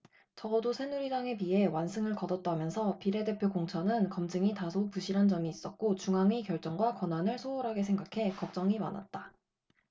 적어도 새누리당에 비해 완승을 거뒀다면서도 비례대표 공천은 검증이 다소 부실한 점이 있었고 중앙위 결정과 권한을 소홀하게 생각해 걱정이 많았다